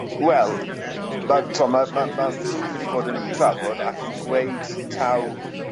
Wel yy ma' t'mo' ma' ma' ma' Froome wedi bod yn trafod ac yn gweud taw